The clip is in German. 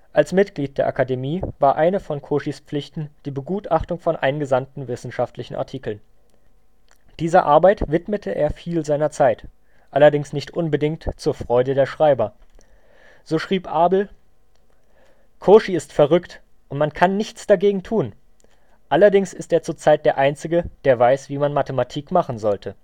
Als Mitglied der Académie war eine von Cauchys Pflichten die Begutachtung von eingesandten wissenschaftlichen Artikeln. Dieser Arbeit widmete er viel seiner Zeit, allerdings nicht unbedingt zur Freude der Schreiber. So schrieb Abel: „ Cauchy ist verrückt und man kann nichts dagegen tun. Allerdings ist er zur Zeit der einzige, der weiß, wie man Mathematik machen sollte